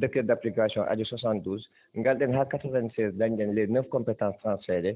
decret d' application AD 72 ngarɗen haa 96 ndañɗen les neuf compétences en CD